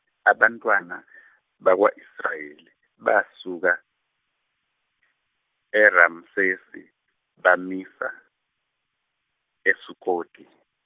abantwana bakwa Israyeli basuka eRamsesi bamisa eSukoti.